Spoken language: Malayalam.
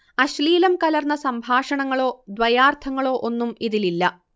അശ്ലീലം കലർന്ന സംഭാഷങ്ങളോ ദ്വയാർത്ഥങ്ങളോ ഒന്നും ഇതിലില്ല